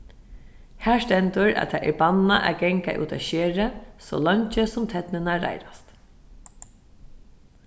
har stendur at tað er bannað at ganga út á skerið so leingi sum ternurnar reiðrast